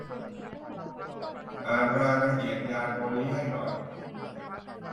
อ่านรายละเอียดยาตัวนี้ให้หน่อย